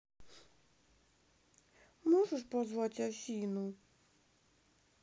можешь позвать афину